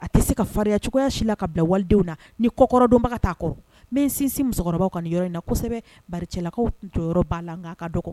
A tɛ se ka farinya cogoyaya si la ka bilawaledenw na ni kɔkɔrɔ donbaga taa kɔrɔ min sinsin musokɔrɔbaw ka yɔrɔ in na kosɛbɛ bacɛkaw to yɔrɔ' la k'a ka dɔgɔ